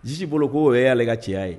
Jiji bolo k'o y'ale ka cɛya ye.